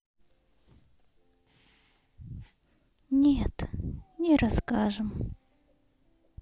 нет не расскажем